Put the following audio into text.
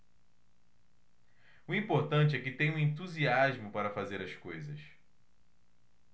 o importante é que tenho entusiasmo para fazer as coisas